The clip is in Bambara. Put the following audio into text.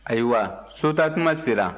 ayiwa sotaatuma sera